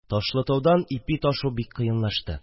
Ташлытаудан ипи ташу бик кыенлашты